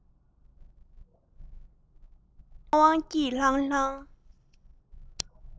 སྣང བ སྐྱིད ལྷང ལྷང